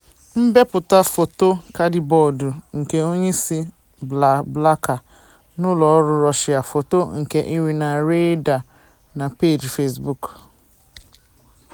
Mbepụta foto kaadịbọọdụ nke onyeisi BlaBlaCar n'ụlọọrụ Russia. Foto nke Irina Reyder na peeji Facebook.